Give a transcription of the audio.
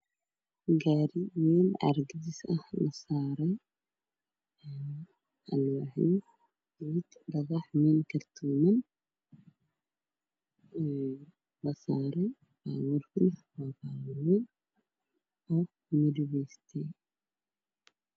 Waa gaari weyn waxaa saaran qashin dhagaxaan kartooman caddaan geed cagaaran ayaa ka dambeeyay oo weyn